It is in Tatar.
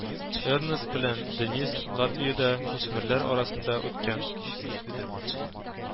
Эрнест белән Денис Латвиядә үсмерләр арасында үткән